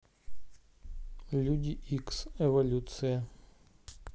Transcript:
люди икс эволюция